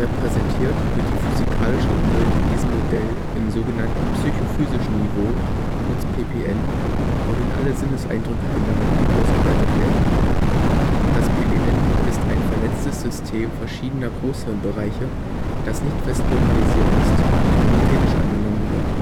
Repräsentiert wird die physikalische Umwelt in diesem Modell im sogenannten Psychophysischen Niveau, kurz PPN, wohin alle Sinneseindrücke gelangen und ausgewertet werden. Das PPN ist ein vernetztes System verschiedener Großhirnbereiche, das nicht fest lokalisiert ist und hypothetisch angenommen wird